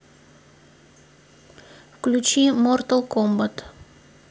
включить мортал комбат